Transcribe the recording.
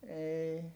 ei